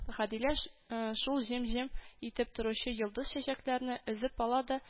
Гадилә шул җем-җем итеп торучы йолдыз-чәчәкләрне өзеп ала да